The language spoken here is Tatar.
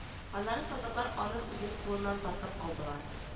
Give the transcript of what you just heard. Аннары солдатлар аның үзен кулыннан тартып алдылар